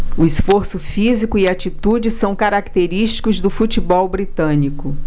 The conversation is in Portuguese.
o esforço físico e a atitude são característicos do futebol britânico